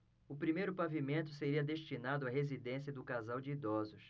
o primeiro pavimento seria destinado à residência do casal de idosos